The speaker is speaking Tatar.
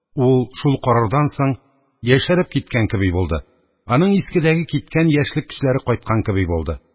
Ул шул карардан соң яшәреп киткән кеби булды, аның искедәге киткән яшьлек көчләре кайткан кеби булды.